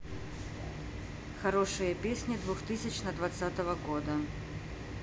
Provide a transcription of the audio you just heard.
хорошие песни двухтысячно двадцатого года